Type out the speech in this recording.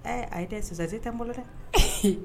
Ɛ ayi ye dɛ sisansi tɛ n bolo dɛ